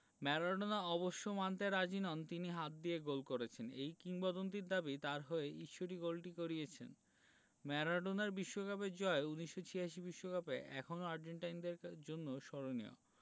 Maradona অবশ্য মানতে রাজি নন তিনি হাত দিয়ে গোল করেছেন এই কিংবদন্তির দাবি তাঁর হয়ে ঈশ্বরই গোল করিয়েছেন ম্যারাডোনার বিশ্বকাপ জয় ১৯৮৬ বিশ্বকাপে এখনো আর্জেন্টাইনদের জন্য স্মরণীয়